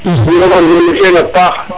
nu mbara ngenu tena paax